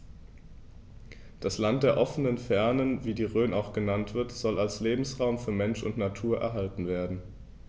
Das „Land der offenen Fernen“, wie die Rhön auch genannt wird, soll als Lebensraum für Mensch und Natur erhalten werden.